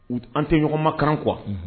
U an tɛ ɲɔgɔnma kanran kuwa